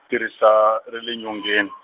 tirisa ra le nyongeni.